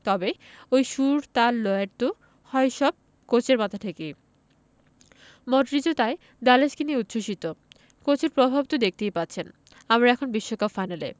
তবে ওই সুর তাল লয়ের তো হয় সব কোচের মাথা থেকেই মডরিচও তাই দালিচকে নিয়ে উচ্ছ্বসিত কোচের প্র্রভাব তো দেখতেই পাচ্ছেন আমরা এখন বিশ্বকাপ ফাইনালে